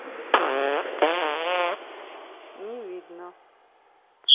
не видно